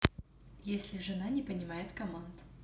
если жена не понимает команд